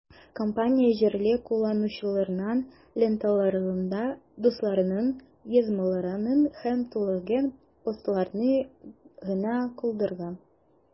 Компания җирле кулланучыларның ленталарында дусларының язмаларын һәм түләнгән постларны гына калдырган.